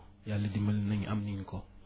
Yàlla dimbali nañu ko